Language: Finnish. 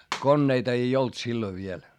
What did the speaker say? koneita ei ollut silloin vielä